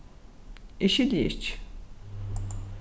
eg skilji ikki